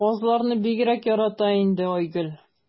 Казларны бигрәк ярата инде Айгөл.